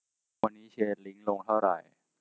วันนี้เชนลิ้งลงเท่าไหร่